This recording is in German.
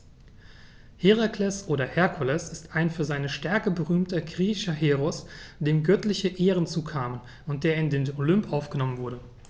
Herakles oder Herkules ist ein für seine Stärke berühmter griechischer Heros, dem göttliche Ehren zukamen und der in den Olymp aufgenommen wurde.